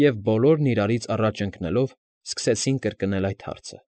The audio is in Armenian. Եվ բոլորն իարից առաջ ընկնելով սկսեցին կրկնել այդ հարցը։